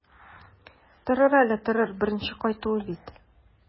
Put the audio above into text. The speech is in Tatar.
Торыр әле, торыр, беренче кайтуы бит.